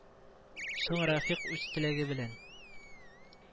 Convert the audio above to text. Соң, рәфыйк үз теләге белән